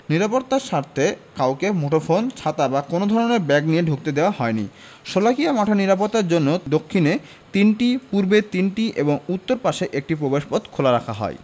নিরাপত্তার স্বার্থে কাউকে মুঠোফোন ছাতা বা কোনো ধরনের ব্যাগ নিয়ে ঢুকতে দেওয়া হয়নি শোলাকিয়া মাঠের নিরাপত্তার জন্য দক্ষিণে তিনটি পূর্বে তিনটি এবং উত্তর পাশে একটি প্রবেশপথ খোলা রাখা হয়